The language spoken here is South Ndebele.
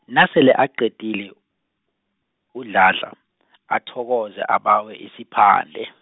nasele aqedile, uDladla, athokoze abawe isiphande.